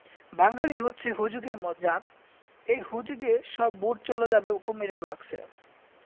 বাঙ্গালী হচ্ছে হুজুগের জাত এই হুজুগে সব ভোট চলে যাবে কুমীরের বাক্সে